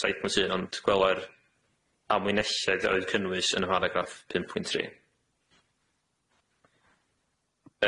saith pwynt un ond gweler yr amwynesiad a oedd cynnwys yn y paragraff pum pwynt tri.